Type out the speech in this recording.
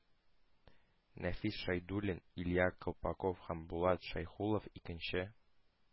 Нәфис Шәйдуллин, Илья Колпаков һәм Булат Шәйхуллов – икенче,